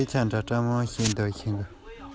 ཁོས ཀྱང ང ལ ལྟ བཞིན